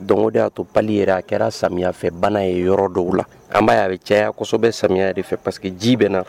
Don y'a to paulli ye a kɛra samifɛbana ye yɔrɔ dɔw la an b'a'a bɛ cayasɔ bɛ samiyɛ yɛrɛ de fɛ pariseke que ji bɛn na